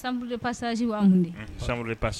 Uru pasazsi